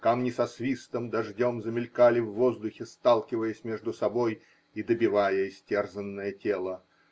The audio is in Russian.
Камни со свистом дождем замелькали в воздухе, сталкиваясь между собой и добивая истерзанное тело.